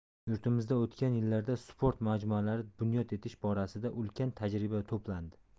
yurtimizda o'tgan yillarda sport majmualari bunyod etish borasida ulkan tajriba to'plandi